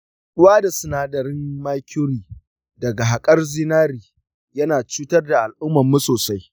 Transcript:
haɗuwa da sinadarin mercury daga haƙar zinari yana cutar da al’ummarmu sosai.